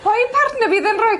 Pwy partner bydd yn rhoi...